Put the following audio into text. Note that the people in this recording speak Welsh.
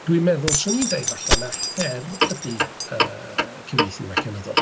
Dwi'n meddwl, 'swn i'n dweud falle na her ydy yy cyfieithu mecanyddol.